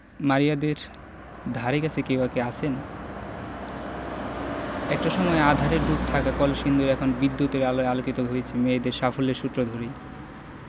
মারিয়াদের ধারেকাছে কেউ কি আছেন একটা সময়ে আঁধারে ডুব থাকা কলসিন্দুর এখন বিদ্যুতের আলোয় আলোকিত হয়েছে মেয়েদের সাফল্যের সূত্র ধরেই